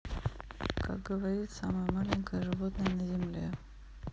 как говорит самое маленькое животное на земле